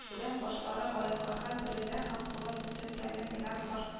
(үлән башлары аякларга бәрелә һәм колын бөтен тәне белән кар